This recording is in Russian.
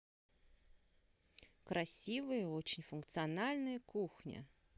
красивая и очень функциональная кухня